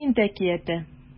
Һинд әкияте